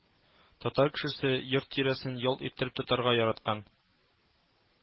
Татар кешесе йорт тирәсен ялт иттереп тотарга яраткан